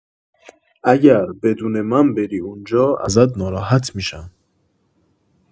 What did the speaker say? اگر بدون من بری اونجا ازت ناراحت می‌شم